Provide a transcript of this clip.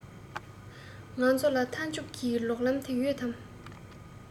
ང ཚོ ལ མཐའ མཇུག གི ལོག ལམ དེ ཡོད དམ